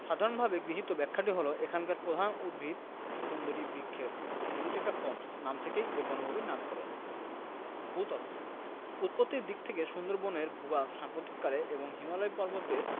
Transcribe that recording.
সাধারণভাবে গৃহীত ব্যাখ্যাটি হলো এখানকার প্রধান উদ্ভিদ সুন্দরী বৃক্ষের হেরিটেরা ফোমস নাম থেকেই এ বনভূমির নামকরণ ভূতত্ত্ব উৎপত্তির দিক থেকে সুন্দরবনের ভূভাগ সাম্প্রতিককালের এবং হিমালয় পর্বতের